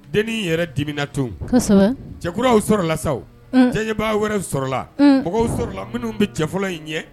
Dennin yɛrɛ dimina tun, kosɛbɛ, cɛkuraw sɔrɔla sawo, un, diyanyebaa wɛrɛ sɔrɔla, un, mɔgɔw sɔrɔla minnu bɛ cɛ fɔlɔ in ɲɛ